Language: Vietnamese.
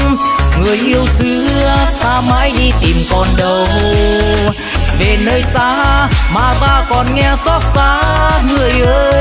người yêu xưa ta mãi đi tìm còn đâu về nơi xa lòng ta càng thêm xót xa người ơi